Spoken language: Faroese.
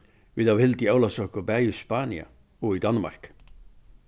vit hava hildið ólavsøku bæði í spania og í danmark